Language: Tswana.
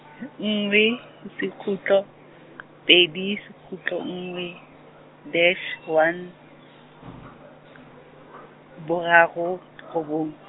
nngwe, sekhutlo , pedi sekhutlo nngwe, dash one, boraro, robong.